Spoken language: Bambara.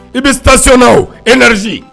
I bɛ sa senna e naz